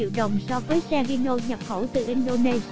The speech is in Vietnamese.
so với xe hino nhập khẩu từ indonesia